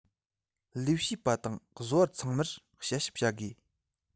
ལས བྱེད པ དང བཟོ པ ཚང མར དཔྱད ཞིབ བྱ དགོས